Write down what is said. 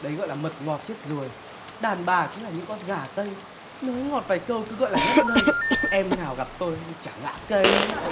đấy gọi là mật ngọt chết ruồi đàn bà chính là những con gà tây nói ngọt vài câu cứ gọi là ngất ngây em nào gặp tôi chả ngã cây